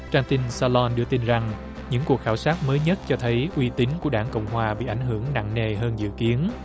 trang tin sa lon đưa tin rằng những cuộc khảo sát mới nhất cho thấy uy tín của đảng cộng hòa bị ảnh hưởng nặng nề hơn dự kiến